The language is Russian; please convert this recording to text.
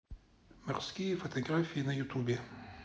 морские фотографии на ютубе